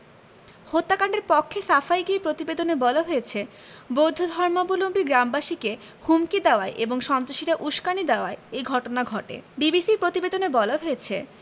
হত্যাকাণ্ডের পক্ষে সাফাই গেয়ে প্রতিবেদনে বলা হয়েছে বৌদ্ধ ধর্মাবলম্বী গ্রামবাসীকে হুমকি দেওয়ায় এবং সন্ত্রাসীরা উসকানি দেওয়ায় এ ঘটনা ঘটে বিবিসির প্রতিবেদনে বলা হয়েছে